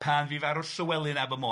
Pan fu farw Llywelyn Aber Moel,